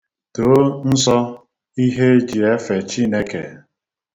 Doo nsọ, ihe e ji efe Chineke.